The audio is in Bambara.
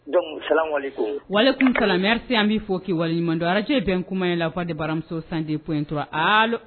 Wali kun kalanmeri se an b'i fɔ k' waleɲumandon araje bɛn kuma ye la fɔ de baramuso san de p intɔ